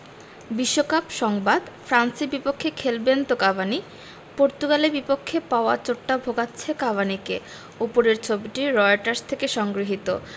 বিশ্বকাপ সংবাদ ফ্রান্সের বিপক্ষে খেলবেন তো কাভানি পর্তুগালের বিপক্ষে পাওয়া চোটটা ভোগাচ্ছে কাভানিকে ওপরের ছবিটি রয়টার্স থেকে সংগৃহীত